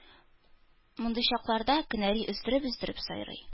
Мондый чакларда кенәри өздереп-өздереп сайрый